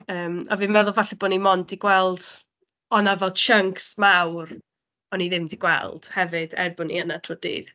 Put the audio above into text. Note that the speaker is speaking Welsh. Yym, a fi'n meddwl falle bod ni mond 'di gweld... Oedd 'na fel chunks mawr, o'n i ddim 'di gweld hefyd, er bod ni yna trwy'r dydd.